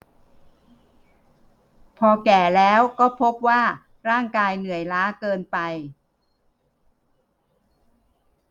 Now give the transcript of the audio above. พอแก่แล้วก็พบว่าร่างกายเหนื่อยล้าเกินไป